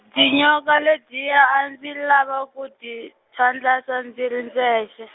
dyinyoka ledyiya a ndzi lava ku dyi phyandlasa ndzi ri ndzexe.